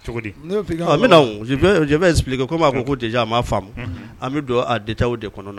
Ko b'a ko a ma an bɛ don ataw de kɔnɔ